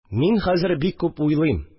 Мин хәзер бик күп уйлыйм